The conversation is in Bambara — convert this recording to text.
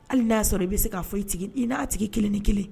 Hali n'a yaa sɔrɔ i bɛ se k' fɔ i i n'a tigi kelen ni kelen